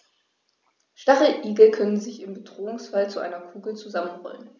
Stacheligel können sich im Bedrohungsfall zu einer Kugel zusammenrollen.